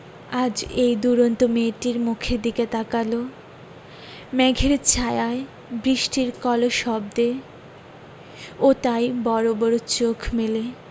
আজ এই দুরন্ত মেয়েটির মুখের দিকে তাকাল মেঘের ছায়ায় বৃষ্টির কলশব্দে ও তাই বড় বড় চোখ মেলে